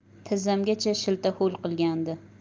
tizzamgacha shilta ho'l qilgandi